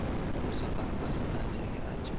bu safar biz stansiyaga